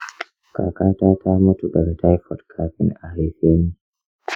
kakata ta mutu daga taifoid kafin a haife ni.